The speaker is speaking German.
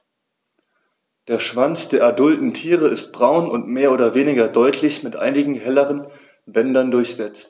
Der Schwanz der adulten Tiere ist braun und mehr oder weniger deutlich mit einigen helleren Bändern durchsetzt.